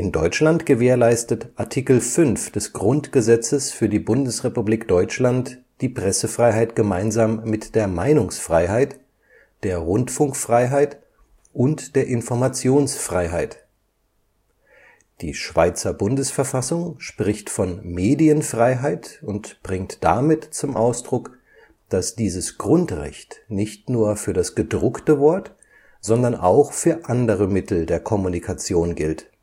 Deutschland gewährleistet Artikel 5 des Grundgesetzes für die Bundesrepublik Deutschland die Pressefreiheit gemeinsam mit der Meinungsfreiheit, der Rundfunkfreiheit und der Informationsfreiheit. Die Schweizer Bundesverfassung spricht von Medienfreiheit und bringt damit zum Ausdruck, dass dieses Grundrecht nicht nur für das gedruckte Wort, sondern auch für andere Mittel der Kommunikation gilt